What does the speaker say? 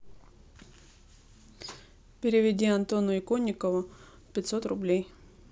переведи антону иконникову пятьсот рублей